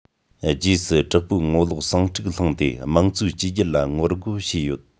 རྗེས སུ དྲག པོའི ངོ ལོག ཟིང འཁྲུག བསླངས ཏེ དམངས གཙོའི བཅོས སྒྱུར ལ ངོ རྒོལ བྱས ཡོད